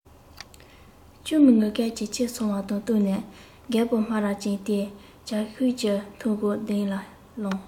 གཅུང མོའི ངུ སྐད ཇེ ཆེར སོང བ དང བསྟུན ནས རྒད པོ སྨ ར ཅན དེས ཇ ཤུགས ཀྱིས འཐུང ཞོར གདན ལས ལངས